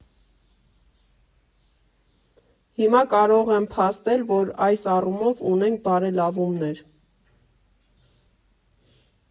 Հիմա կարող եմ փաստել, որ այս առումով ունենք բարելավումներ։